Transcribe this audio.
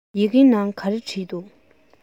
ཡི གེའི ནང ག རེ བྲིས འདུག